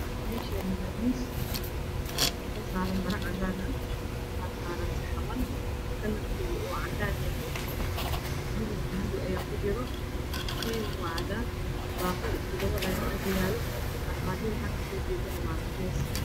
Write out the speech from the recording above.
Meshan waa mees waxa saran mara cadaana h waxaa saran saxamaan kalarloodu uu cadaan yahy midap dahapi ayaa ku jiro pakeeriga waa cadaan pooqli isku doopool ayaa xaga yaalo armaajada xaga kasoo jedana wa cades